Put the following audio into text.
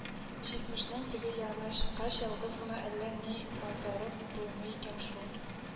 Җитмешнең теге ягына чыккач, ялгыз гына әллә ни майтарып булмый икән шул.